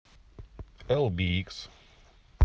эл бэ икс